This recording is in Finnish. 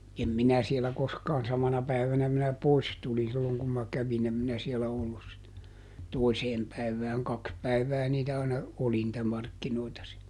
en minä siellä koskaan samana päivänä minä pois tulin silloin kun minä kävin en minä siellä ollut sitten toiseen päivään kaksi päivää niitä aina oli niitä markkinoita siellä